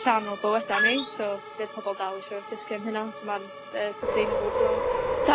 rhan o bywyda' ni so fydd pobol dal isio dysgu am hynna so ma'n yy sustainable dwi'n meddwl